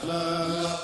Naamu